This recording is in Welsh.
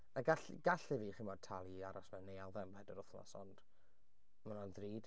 A gall- gallai fi chimod talu i aros mewn neuaddau am pedwar wythnos, ond ma' hwnna'n ddrud.